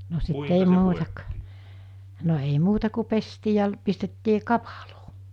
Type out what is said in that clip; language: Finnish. no sitten ei muuta - no ei muuta kuin pestiin ja pistettiin kapaloon